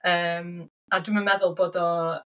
Yym a dwi'm yn meddwl bod o...